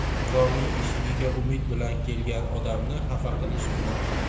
birovning eshigiga umid bilan kelgan odamni xafa qilish gunoh